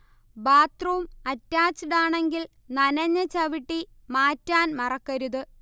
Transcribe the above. bathroom അറ്റാച്ച്ഡാണെങ്കിൽ നനഞ്ഞ ചവിട്ടി മാറ്റാൻ മറക്കരുത്